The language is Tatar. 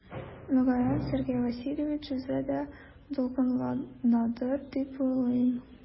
Мөгаен Сергей Васильевич үзе дә дулкынланадыр дип уйлыйм.